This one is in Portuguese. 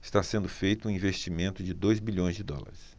está sendo feito um investimento de dois bilhões de dólares